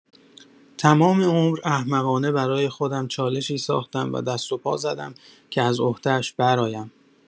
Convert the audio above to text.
تمام عمر، احمقانه برای خودم چالشی ساختم و دست و پا زدم که از عهده‌اش برآیم.